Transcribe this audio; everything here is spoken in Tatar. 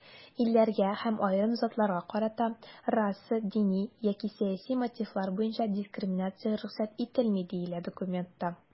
"илләргә һәм аерым затларга карата раса, дини яки сәяси мотивлар буенча дискриминация рөхсәт ителми", - диелә документта.